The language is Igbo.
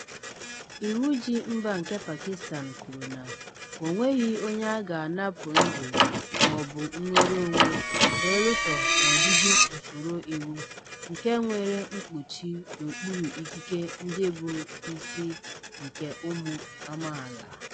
Iwu Ji Mba nke Pakistan kwuru na "O nweghị onye a ga-anapụ ndụ ma ọ bụ nnwere onwe belụsọ n'ọdịdị usoro iwu," nke nwere mkpuchi n'okpuru Ikike Ndị Bụ Isi nke ụmụ amaala.